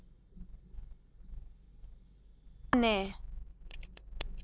ཡུལ ཅན གྱི སྒེའུ ཁུང